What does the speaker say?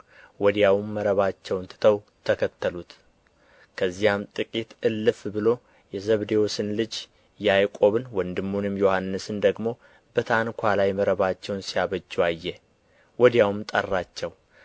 ወዲያውም መረባቸውን ትተው ተከተሉት ከዚያም ጥቂት እልፍ ብሎ የዘብዴዎስን ልጅ ያዕቆብን ወንድሙንም ዮሐንስን ደግሞ በታንኳ ላይ መረባቸውን ሲያበጁ አየ ወዲያውም ጠራቸው